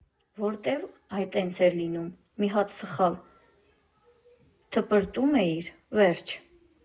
Որտև այ տենց էր լինում, մի հատ սխալ թփրտում էիր՝ վերջ։